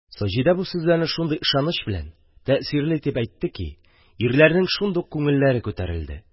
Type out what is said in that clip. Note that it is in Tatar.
Саҗидә бу сүзләрне шундый ышаныч белән, тәэсирле итеп әйтте ки, ирләрнең шундук күңелләре күтәрелде.